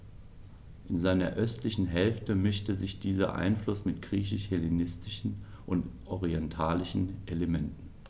In seiner östlichen Hälfte mischte sich dieser Einfluss mit griechisch-hellenistischen und orientalischen Elementen.